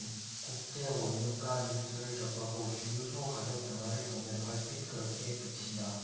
국제 원유가 뉴스를 접하고 주유소 가격 변화를 보면 얼핏 그렇게 비친다